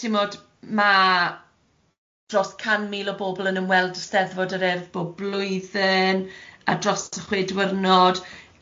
timod ma' dros can mil o bobl yn ymweld â Steddfod yr Urdd bob blwyddyn, a dros y chwe dwrnod,